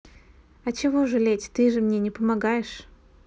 а чего жалеть ты же мне не помогаешь